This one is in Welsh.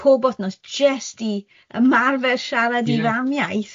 pob wthnos jyst i ymarfer siarad i famiaith.